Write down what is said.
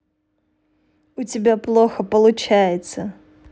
у тебя плохо получается